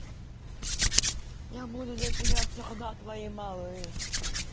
я буду для тебя всегда твоей малышкой